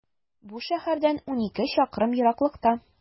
Бу шәһәрдән унике чакрым ераклыкта.